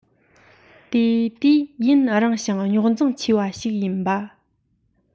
དེ དུས ཡུན རིང ཞིང རྙོག འཛིང ཆེ བ ཞིག ཡིན པ